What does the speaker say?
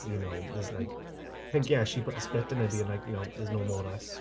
You know there's like I think yeah, she put the split in it being like you know, "There's no more of us."